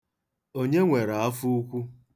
Onye nwere afọ nnukwu?